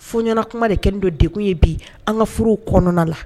Fɔɲɛnakuma de kɛlen don degun ye bi an ka furuw kɔnɔna la